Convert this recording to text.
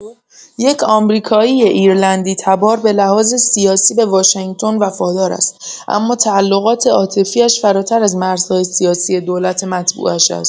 یک آمریکایی ایرلندی تبار به لحاظ سیاسی به واشنگتن وفادار است، اما تعلقات عاطفی‌اش فراتر از مرزهای سیاسی دولت متبوعش است.